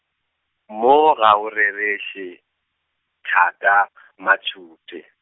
moo ga o rereše, thaka , Mashupje.